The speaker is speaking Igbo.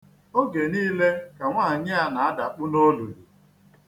Oge niile ka nwaanyị na-adakpu na olulu.